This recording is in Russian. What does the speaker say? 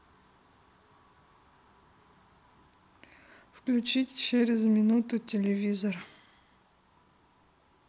выключи через минуту телевизор